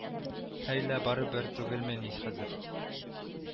Һәй лә барыбер түгелмени хәзер